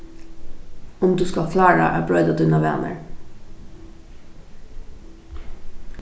um tú skalt klára at broyta tínar vanar